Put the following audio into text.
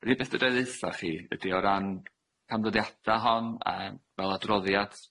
Yr unig beth fedra i ddeutha chi ydi o ran canfyddiada hon yym fel adroddiad,